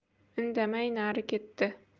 indamay nari ketdi